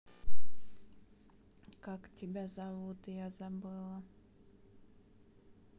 как тебя зовут я забыла